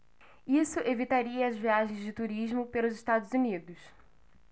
isso evitaria as viagens de turismo pelos estados unidos